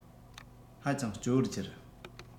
ཧ ཅང སྐྱོ བར གྱུར